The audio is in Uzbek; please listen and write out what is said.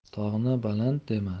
tog'ni baland dema